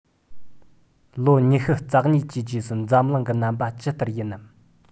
ལོ ཉི ཤུ རྩ གཉིས ཀྱི རྗེས སུ འཛམ གླིང གི རྣམ པ ཇི ལྟར ཡིན ནམ